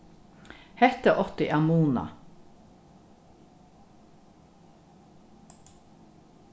hetta átti at munað